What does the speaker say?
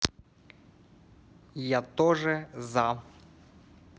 я тоже за